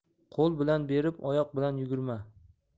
qo'l bilan berib oyoq bilan yugurma